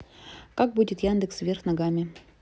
как будет яндекс вверх ногами